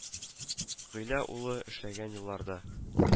Гыйлә улы эшләгән елларда